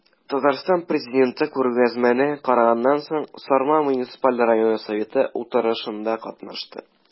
Татарстан Президенты күргәзмәне караганнан соң, Сарман муниципаль районы советы утырышында катнашты.